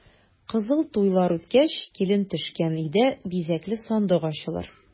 Кызыл туйлар үткәч, килен төшкән өйдә бизәкле сандык ачылыр.